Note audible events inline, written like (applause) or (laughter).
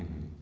(hesitation) (hesitation)